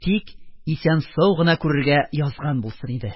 Тик исән-сау гына күрергә язган булсын иде.